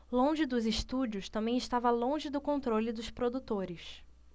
longe dos estúdios também estava longe do controle dos produtores